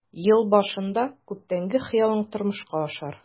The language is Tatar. Ел башында күптәнге хыялың тормышка ашар.